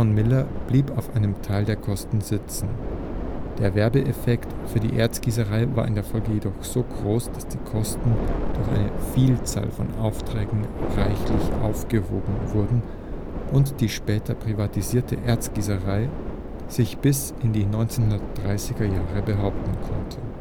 Miller blieb auf einem Teil der Kosten sitzen, der Werbeeffekt für die Erzgießerei war in der Folge jedoch so groß, dass die Kosten durch eine Vielzahl von Aufträgen reichlich aufgewogen wurden und die später privatisierte Erzgießerei sich bis in die 1930er Jahre behaupten konnte